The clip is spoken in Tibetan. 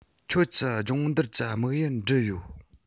ཁྱོད ཀྱིས སྦྱོང བརྡར གྱི དམིགས ཡུལ འགྲུབ ཡོད